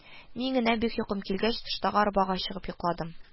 Мин генә, бик йокым килгәч, тыштагы арбага чыгып йокладым